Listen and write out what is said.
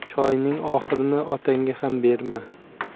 choyning oxirini otangga ham berma